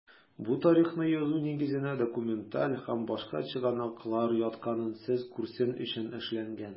Бу тарихны язу нигезенә документаль һәм башка чыгынаклыр ятканын сез күрсен өчен эшләнгән.